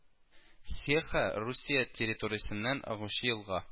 Сеха Русия территориясеннән агучы елга